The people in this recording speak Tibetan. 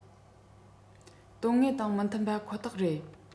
དོན དངོས དང མི མཐུན པ ཁོ ཐག རེད